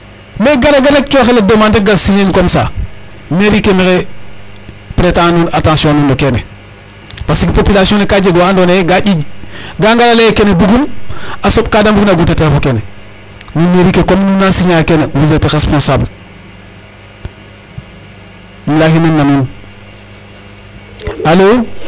Mais gar a gar rek cooxel a demande rek gar signer comme ca mairie ke mexey préter a nuun attenetion o kene parce que popuation ne ka jeg wa andoona yee ga ƴiiƴ gaa ngaraa lay ee kene bugum a soɓka da mbugna guutira fo kene nuun mairie ke comme nuun na signer a kene vous etes responsable Um layahinan na nuun. Alo